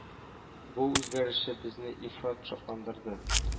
Бу үзгәреше безне ифрат шатландырды